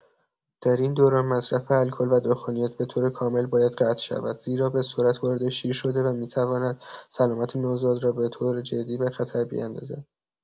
در این دوران مصرف الکل و دخانیات به‌طور کامل باید قطع شود، زیرا به‌سرعت وارد شیر شده و می‌تواند سلامت نوزاد را به‌طور جدی به خطر بیندازد.